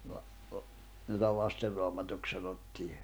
- jota Lasten Raamatuksi sanottiin